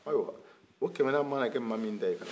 ayiwa o kɛmɛnan mana kɛ mɔgɔ min ta ye